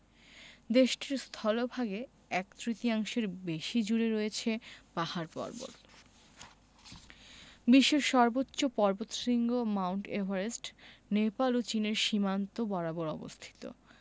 দেশটির স্থলভাগে এক তৃতীয়াংশের বেশি জুড়ে রয়ছে পাহাড় পর্বত বিশ্বের সর্বোচ্চ পর্বতশৃঙ্গ মাউন্ট এভারেস্ট নেপাল ও চীনের সীমান্ত বরাবর অবস্থিত